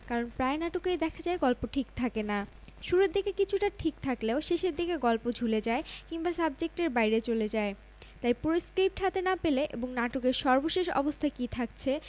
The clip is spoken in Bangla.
ব্রিটিশ বিজ্ঞানীদের এই উদ্ভাবনের ফলে তাদের রোগনির্নয় অনেক সহজ হয়ে যাবে তারা এই হেলমেট স্ক্যানারে কোয়ান্টাম সেন্সর ব্যবহার করেছেন বলে জানিয়েছেন এটি হাল্কা এবং কক্ষ তাপমাত্রাতেও ব্যবহার করা যায়